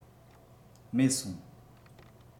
མེད སོང